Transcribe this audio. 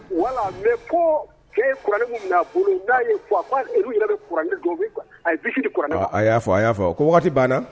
Wala mɛ ko y'a a y'a waati banna